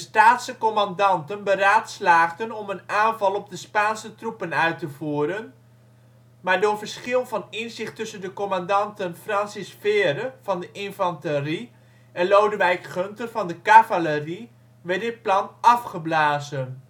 commandanten beraadslaagden om een aanval op de Spaanse troepen uit te voeren, maar door verschil van inzicht tussen de commandanten Francis Vere (infanterie) en Lodewijk Gunther (cavalerie) werd dit plan afgeblazen